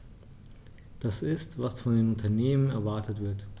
Das ist, was von den Unternehmen erwartet wird.